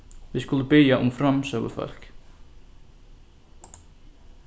vit skulu biðja um framsøgufólk